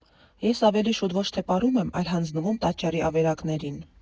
Ես ավելի շուտ ոչ թե պարում եմ, այլ հանձնվում տաճարի ավերակներին։